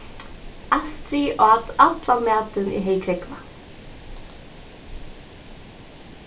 astrið át allan matin eg hevði krógvað